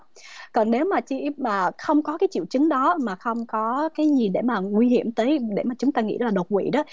còn nếu mà chị ý mà không có cái triệu chứng đó mà không có cái gì để mà nguy hiểm tới để mà chúng ta nghĩ đó là đột quỵ đó